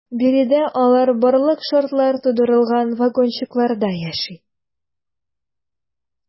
Биредә алар барлык шартлар тудырылган вагончыкларда яши.